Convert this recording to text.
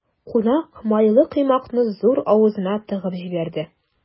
Кунак майлы коймакны зур авызына тыгып җибәрде.